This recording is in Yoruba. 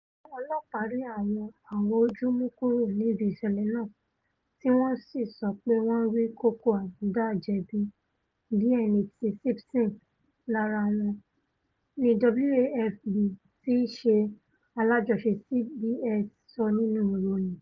Àwọn ọlọ́ọ̀pá rí àwọn awò ojú mú kúrò níbì ìṣẹ̀lẹ̀ náà tí wọ́n sì sọ pé wọ́n rí kókó àbùdá àjẹbí DNA ti Simpson lára wọn, ní WAFB tííṣe alájọṣe CBS sọ nínú ìròyìn.